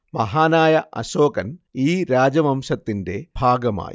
മഹാനായ അശോകന്‍ ഈ രാജവംശത്തിന്റെ ഭാഗമായി